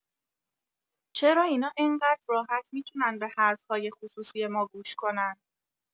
چرا اینا انقد راحت می‌تونن به حرف‌های خصوصی ما گوش کنن؟